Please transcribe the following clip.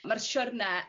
ma'r siwrne